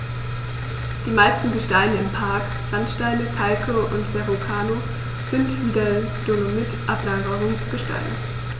Die meisten Gesteine im Park – Sandsteine, Kalke und Verrucano – sind wie der Dolomit Ablagerungsgesteine.